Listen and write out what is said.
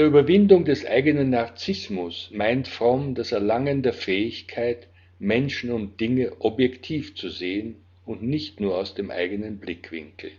Überwindung des eigenen Narzissmus meint Fromm das Erlangen der Fähigkeit, Menschen und Dinge objektiv zu sehen, und nicht nur aus dem eigenen Blickwinkel